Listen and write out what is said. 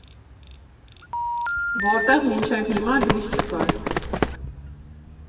Որտեղ մինչև հիմա լույս չկա՜ր…